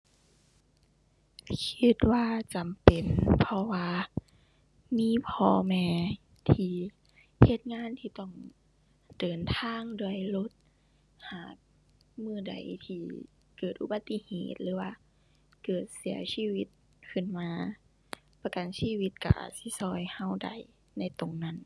คิดว่าจำเป็น เพราะว่ามีพ่อแม่ที่เฮ็ดงานที่ต้องเดินทางด้วยรถ หากมื้อใดที่เกิดอุบัติเหตุหรือว่าเกิดเสียชีวิตขึ้นมาประกันชีวิตก็อาจสิก็ก็ได้ในตรงนั้น